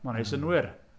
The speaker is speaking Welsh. Mae'n wneud synnwyr.